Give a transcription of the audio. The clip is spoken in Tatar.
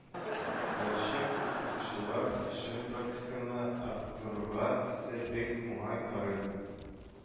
Булачак укытучылар өчен практиканы арттыруга исә бек уңай карыйм